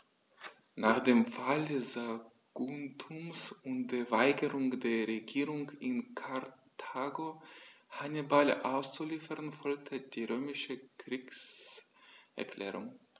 Nach dem Fall Saguntums und der Weigerung der Regierung in Karthago, Hannibal auszuliefern, folgte die römische Kriegserklärung.